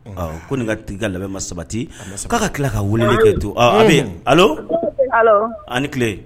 Awɔ ko nin ka t tigi ka labɛn ma sabati a ma sabati k'a ka tila ka weleli kɛ tugun allo ɔɔ a be ye allo allo a' ni tile